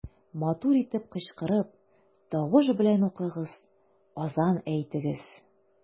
Матур итеп кычкырып, тавыш белән укыгыз, азан әйтегез.